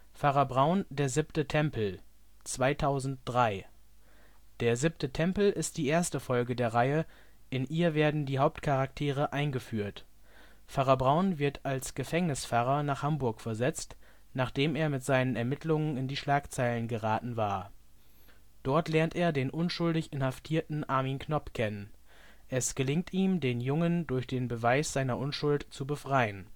Pfarrer Braun - Der siebte Tempel (2003) Der siebte Tempel ist die erste Folge der Reihe, in ihr werden die Hauptcharaktere eingeführt. Pfarrer Braun wird als Gefängnispfarrer nach Hamburg versetzt, nachdem er mit seinen Ermittlungen in die Schlagzeilen geraten war. Dort lernt er den unschuldig Inhaftierten Armin Knopp kennen. Es gelingt ihm, den Jungen durch den Beweis seiner Unschuld zu befreien